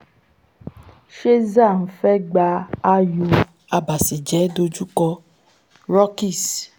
Scherzer ńfẹ́ gba ayò abàṣèjẹ́ dojúkọ. Rockies